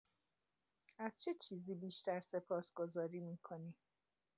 از چه چیزی بیشتر سپاسگزاری می‌کنی؟